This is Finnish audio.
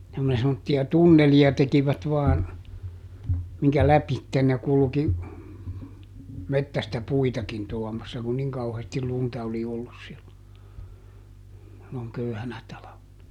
ja kun ne semmoisia tunneleita tekivät vain minkä lävitse ne kulki metsästä puitakin tuomassa kun niin kauheasti lunta oli ollut silloin silloin köyhänä talvena